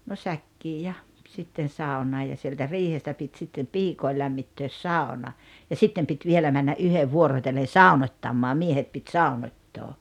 no säkkiin ja sitten saunaan ja sieltä riihestä piti sitten piikojen lämmittää sauna ja sitten piti vielä mennä yhden vuorotellen saunottamaan miehet piti saunottaa